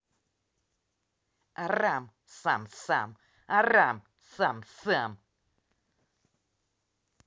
арам сам сам арам сам сам